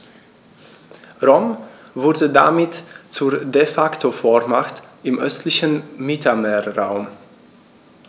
Rom wurde damit zur ‚De-Facto-Vormacht‘ im östlichen Mittelmeerraum.